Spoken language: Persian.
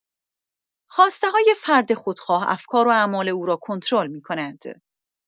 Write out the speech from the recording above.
خواسته‌های فرد خودخواه افکار و اعمال او را کنترل می‌کند.